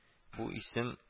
Бу исем